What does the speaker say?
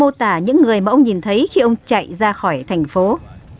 mô tả những người mẫu nhìn thấy khi ông chạy ra khỏi thành phố